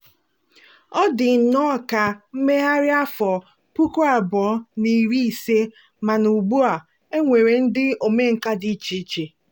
Ọ dị nnọ ka mmegharị afọ 2015 mana ugbua, e nwere ndị omenkà dị icheiche.